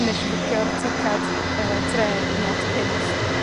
nesh i fwcio'r ticad yy trên yn lot cynt